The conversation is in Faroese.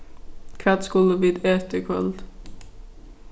hvat skulu vit eta í kvøld